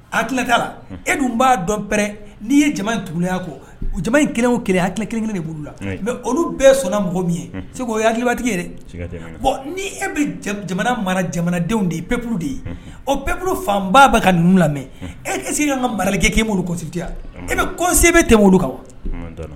A tilakala la e dun b'a dɔnɛ n'i ye tuguniya kɔ jamana in kelenw kelen a ki kelen kelen de b bolo la mɛ olu bɛɛ sɔnna mɔgɔ min ye se'o yalibatigi ye ni e bɛ jamana mara jamanadenw de yepuru de ye op fanba bɛ ka n lamɛn e' ka mara kɛ k'e' kɔsiya e bɛ kɔsi bɛ tɛ olu kan wa